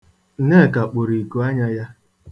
Nneka kpụrụ ikuanya ya.